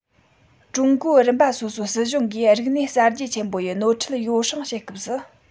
ཀྲུང གོའི རིམ པ སོ སོའི སྲིད གཞུང གིས རིག གནས གསར བརྗེ ཆེན པོ ཡི ནོར འཁྲུལ ཡོ བསྲང བྱེད སྐབས སུ